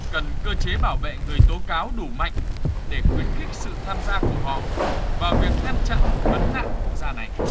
cần cơ chế bảo vệ người tố cáo đủ mạnh để khuyến khích sự tham gia của họ vào việc ngăn chặn vấn nạn quốc gia này